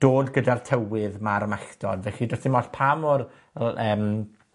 dod gyda'r tywydd ma'r malltod. Felly, do's dim ots pa mor mor yym,